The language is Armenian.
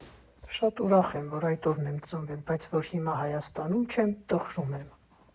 Շատ ուրախ եմ, որ այդ օրն եմ ծնվել, բայց որ հիմա Հայաստանում չեմ, տխրում եմ։